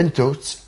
Yndwt?